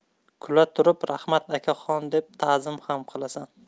kula turib raxmat akaxon deb ta'zim xam qilasan